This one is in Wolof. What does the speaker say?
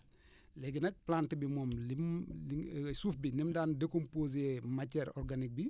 léegi nag plante bi moom lim li nga suuf bi ni mu daan décomposé matière organique bi